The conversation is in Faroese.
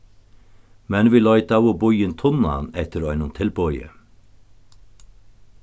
men vit leitaðu býin tunnan eftir einum tilboði